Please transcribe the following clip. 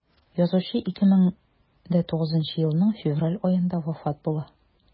Язучы 2009 елның февраль аенда вафат була.